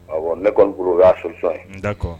Ne kɔni kɔrɔ o y'a sɔrɔsɔ ye